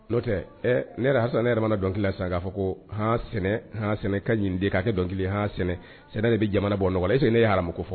N'o tɛ ɛ ne yɛrɛ halisa ne yɛrɛ mana dɔnkili la sisan k'a fɔ ko han sɛnɛ han sɛnɛ ka ɲi de k'a kɛ dɔnkili han sɛnɛ, sɛnɛ de bɛ jamana bɔ nɔgɔ la est ce que ne ye haramuko fɔ